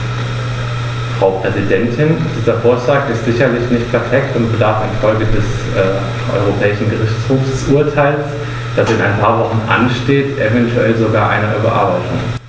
Frau Präsidentin, dieser Vorschlag ist sicherlich nicht perfekt und bedarf in Folge des EuGH-Urteils, das in ein paar Wochen ansteht, eventuell sogar einer Überarbeitung.